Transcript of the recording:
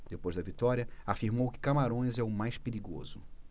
depois da vitória afirmou que camarões é o mais perigoso